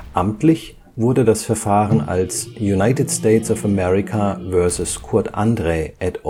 Amtlich wurde das Verfahren als United States of America vs Kurt Andrae et